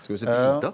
skal vi se bilder?